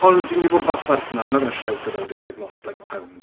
Ond fi'n mynd i bod y fath o berson 'na I'm not going to shout about if I've lost like a pound...